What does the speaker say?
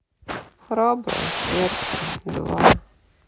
храбрая сердцем два